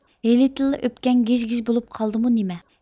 ھېلىتىنلا ئۆپكەڭ گىژ گىژ بولۇپ قالدىڭمۇ نېمە